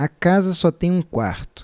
a casa só tem um quarto